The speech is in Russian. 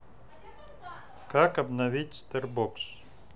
как обновить sberbox